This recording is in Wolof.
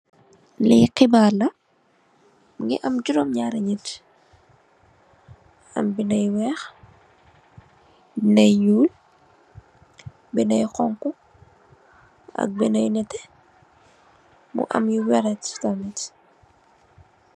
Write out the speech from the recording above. Lii xibaar la, mingi am juroom-nyaari nit, am binde yu weex, dayjoor, binde yu xonxu, ak binde yu nete, mu am yu yoolet tamin.